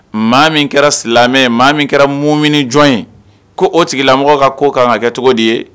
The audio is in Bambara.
Maa min kɛra silamɛ , maa min kɛra muuminu jɔn ye , ko o tigilamɔgɔ ka ko kan ka kɛ cogo di ?